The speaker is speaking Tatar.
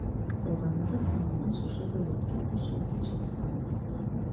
Калганнары соңыннан шушы дәүләткә кушылып яши торган халыклар.